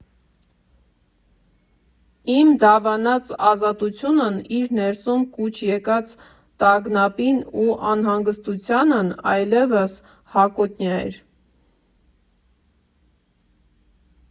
Իմ դավանած ազատությունն իր ներսում կուչ եկած տագնապին ու անհանգստությանն այլևս հակոտնյա էր։